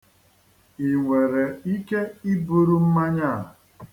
I nwere ike iburu mmanya a?